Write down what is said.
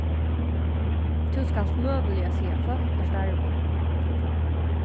tú skalt møguliga siga fólk úr starvi